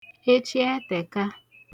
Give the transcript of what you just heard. echiẹtẹ̀ka